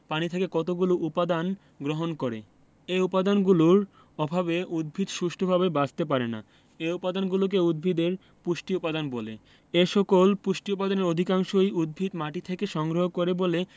পানি থেকে কতগুলো উপদান গ্রহণ করে এ উপাদানগুলোর অভাবে উদ্ভিদ সুষ্ঠুভাবে বাঁচতে পারে না এ উপাদানগুলোকে উদ্ভিদের পুষ্টি উপাদান বলে এসকল পুষ্টি উপাদানের অধিকাংশই উদ্ভিদ মাটি থেকে সংগ্রহ করে বলে